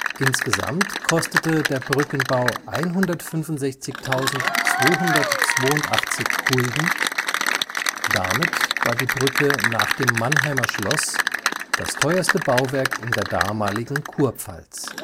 Insgesamt kostete der Brückenbau 165.282 Gulden, damit war die Brücke nach dem Mannheimer Schloss das teuerste Bauwerk in der damaligen Kurpfalz